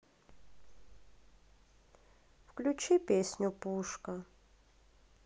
включи песня пушка